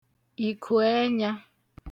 ìkùẹnyā